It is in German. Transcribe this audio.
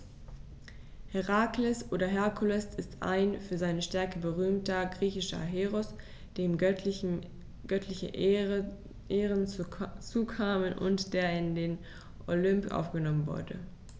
Herakles oder Herkules ist ein für seine Stärke berühmter griechischer Heros, dem göttliche Ehren zukamen und der in den Olymp aufgenommen wurde.